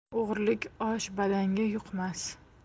o'g'irlik osh badanga yuqmas